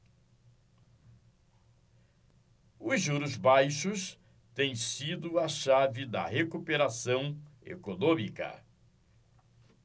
os juros baixos têm sido a chave da recuperação econômica